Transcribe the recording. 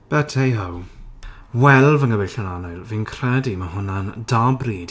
But hey ho. Wel fy nghyfeillion annwyl fi'n credu mae hwnna'n da bryd...